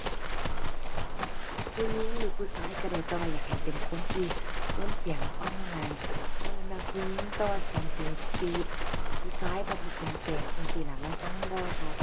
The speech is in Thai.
ผู้หญิงหรือผู้ชายชายได้ แต่ว่าอยากให้เป็นคนที่โทนเสียงฟังง่าย บ่แม่นว่าผู้หญิงแต่ว่าเสียงสูงปรี๊ด ผู้ชายแต่ว่าเสียงแตกจั่งซี้น่ะ มันฟังบ่ชัด